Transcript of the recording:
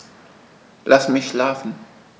Lass mich schlafen